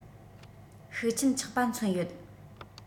ཤུགས ཆེན ཆག པ མཚོན ཡོད